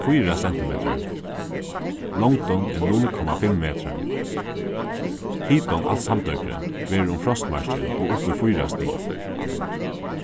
fýra sentimetrar longdin er null komma fimm metrar hitin alt samdøgrið verður um frostmarkið og upp í fýra stig